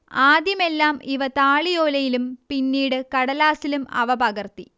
ആദ്യമെല്ലാം ഇവ താളിയോലയിലും പിന്നീട് കടലാസിലും അവ പകർത്തി